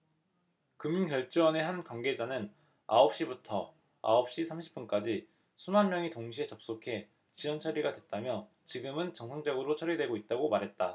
금융결제원의 한 관계자는 아홉 시부터 아홉 시 삼십 분까지 수만 명이 동시에 접속해 지연처리가 됐다며 지금은 정상적으로 처리되고 있다고 말했다